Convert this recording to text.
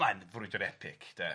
Mae'n frwydr epic, 'de,